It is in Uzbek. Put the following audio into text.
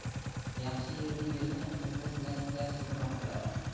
yaxshi yerga bersang qizni silay silay sulton qilar